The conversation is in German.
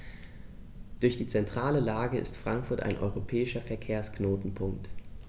Durch die zentrale Lage ist Frankfurt ein europäischer Verkehrsknotenpunkt.